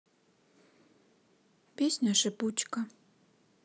песня шипучка